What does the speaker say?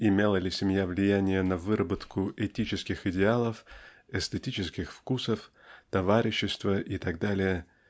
имела ли семья влияние на выработку этических идеалов эстетических вкусов товарищества и т.д.